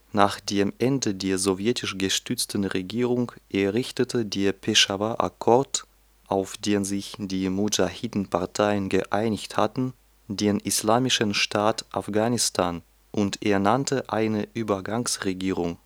Nach dem Ende der sowjetisch gestützten Regierung errichtete der Peshawar Accord, auf den sich die Mudschahidinparteien geeinigt hatten, den Islamischen Staat Afghanistan und ernannte eine Übergangsregierung